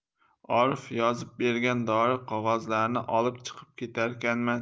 orif yozib bergan dori qog'ozlarni olib chiqib ketarkanman